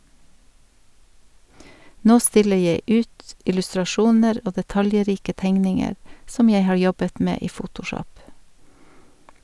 Nå stiller jeg ut illustrasjoner og detaljrike tegninger som jeg har jobbet med i photoshop.